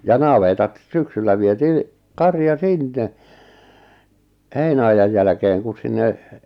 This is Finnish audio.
ja navetat syksyllä vietiin karja sinne heinäajan jälkeen kun sinne